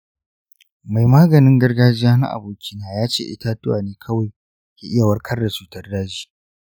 mai maganin gargajiya na abokina ya ce itatuwa ne kawai ke iya warkar da cutar daji.